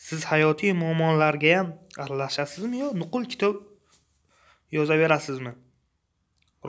siz hayotiy problemalargayam aralashasizmi yo nuqul kitob yozaverasizmi